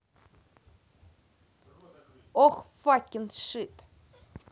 oh fucking shit